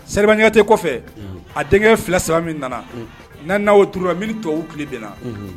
Seya kuyate kɔfɛ a denkɛ fila saba min nana n' n'aw ouru mi tɔbabu tile bɛnna